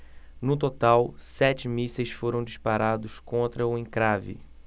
no total sete mísseis foram disparados contra o encrave